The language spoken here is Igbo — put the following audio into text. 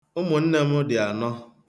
Ụmụnne m dị anọ.